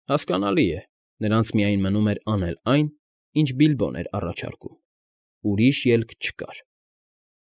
Հասկանալի է, նրանց միայն մնում էր անել այն, ինչ Բիլբոն էր առաջարկում, ուրիշ ելք չկար։